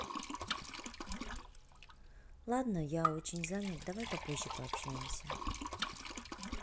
ладно я очень занят давай попозже пообщаемся